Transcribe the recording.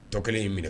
Tɔ kelen y' minɛ